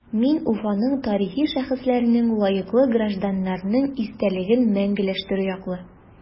Мин Уфаның тарихи шәхесләренең, лаеклы гражданнарның истәлеген мәңгеләштерү яклы.